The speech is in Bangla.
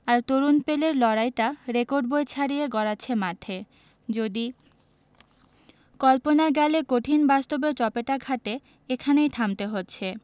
আর তরুণ পেলের লড়াইটা রেকর্ড বই ছাড়িয়ে গড়াচ্ছে মাঠে যদি কল্পনার গালে কঠিন বাস্তবের চপেটাঘাতে এখানেই থামতে হচ্ছে